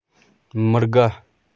མི དགའ